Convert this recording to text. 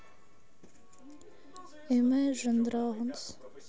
имейджин драгонс